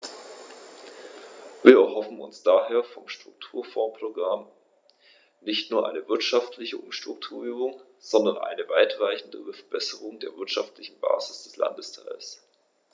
Wir erhoffen uns daher vom Strukturfondsprogramm nicht nur eine wirtschaftliche Umstrukturierung, sondern eine weitreichendere Verbesserung der wirtschaftlichen Basis des Landesteils.